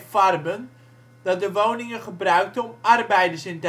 Farben, dat de woningen gebruikte om arbeiders in